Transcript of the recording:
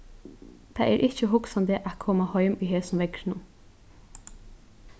tað er ikki hugsandi at koma heim í hesum veðrinum